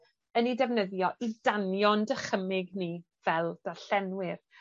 yn 'i defnyddio i danio'n dychymyg ni fel darllenwyr?